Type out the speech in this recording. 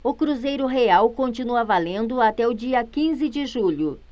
o cruzeiro real continua valendo até o dia quinze de julho